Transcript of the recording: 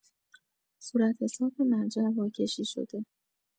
صورتحساب مرجع واکشی شده